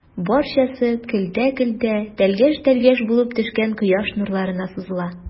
Барчасы көлтә-көлтә, тәлгәш-тәлгәш булып төшкән кояш нурларына сузыла.